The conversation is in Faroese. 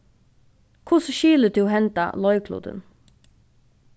hvussu skilir tú henda leiklutin